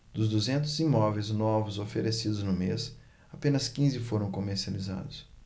dos duzentos imóveis novos oferecidos no mês apenas quinze foram comercializados